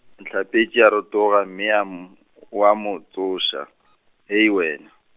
Ntlhabetše a rotoga mme a m-, wa mo tsoša , Hei wena.